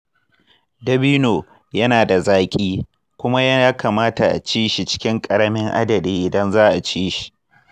dabino yana da zaƙi kuma ya kamata a ci shi cikin ƙaramin adadi idan za a ci shi.